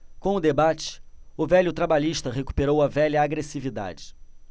com o debate o velho trabalhista recuperou a velha agressividade